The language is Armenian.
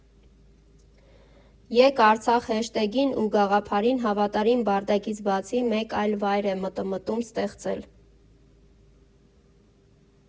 եկԱրցախ հեշթեգին ու գաղափարին հավատարիմ՝ «Բարդակից» բացի մեկ այլ վայր է մտմտում ստեղծել։